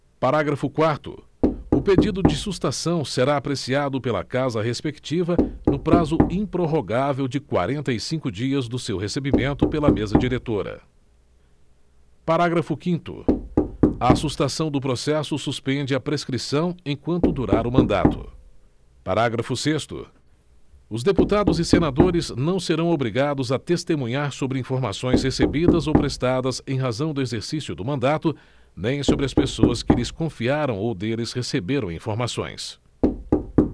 parágrafo quarto o pedido de sustação será apreciado pela casa respectiva no prazo improrrogável de quarenta e cinco dias do seu recebimento pela mesa diretora parágrafo quinto a sustação do processo suspende a prescrição enquanto durar o mandato parágrafo sexto os deputados e senadores não serão obrigados a testemunhar sobre informações recebidas ou prestadas em razão do exercício do mandato nem sobre as pessoas que lhes confiaram ou deles receberam informações